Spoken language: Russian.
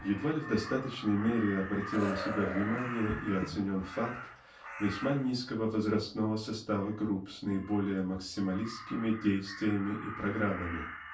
Едва ли в достаточной мере обратил на себя внимание и оценен факт весьма низкого возрастного состава групп с наиболее максималистскими действиями и программами.